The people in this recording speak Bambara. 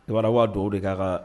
Ibara ko ka duwawu de k'a kaa